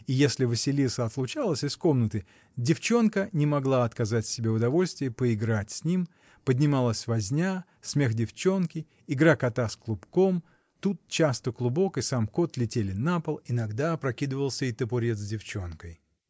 и если Василиса отлучалась из комнаты, девчонка не могла отказать себе в удовольствии поиграть с ним, поднималась возня, смех девчонки, игра кота с клубком: тут часто клубок и сам кот летели на пол, иногда опрокидывался и табурет с девчонкой.